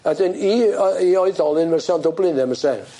A wedyn i yy i oedolyn fysa o'n dwbli ynde 'yn fyse?